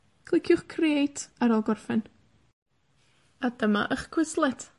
Cliciwch create ar ôl gorffen, a dyma 'ych Quizlet.